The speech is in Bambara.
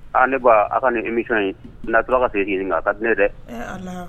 Aa ne baa a' ka nin émission in n'a' tola ka segin-segin nin kan a kadi ne ye dɛ e Ala